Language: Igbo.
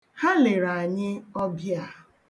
Ha lere anyị ọbịa.